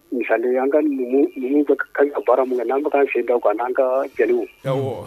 Misali la an ka numu numu be k kaari ka baara mun kɛ n'an be k'an sen da o kan o n'an kaa jeliw awɔ